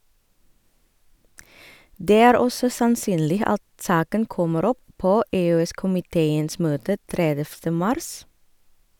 Det er også sannsynlig at saken kommer opp på EØS-komiteens møte 30. mars.